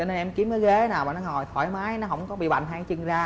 em kiếm cái ghế nào mà nó ngồi thoải mái nó không bị bành hai cái chân ra